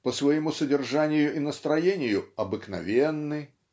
по своему содержанию и настроению -- обыкновенны